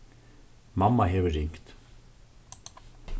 mamma hevur ringt